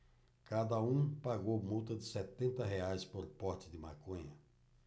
cada um pagou multa de setenta reais por porte de maconha